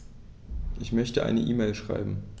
Ich möchte eine E-Mail schreiben.